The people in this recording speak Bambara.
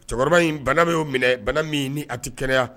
Cɛkɔrɔba in bana bɛ y'o minɛ bana min ni a tɛ kɛnɛya